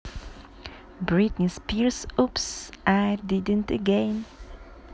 britney spears oops i did it again